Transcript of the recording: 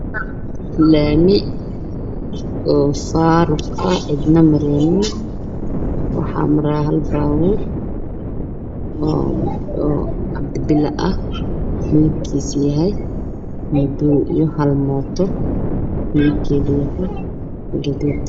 Waa laami waxaa maraayo gaari cabdi Bile